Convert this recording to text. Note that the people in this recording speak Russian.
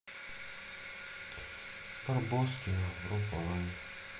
барбоскина врубай